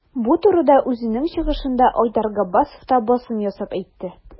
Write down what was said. Бу турыда үзенең чыгышында Айдар Габбасов та басым ясап әйтте.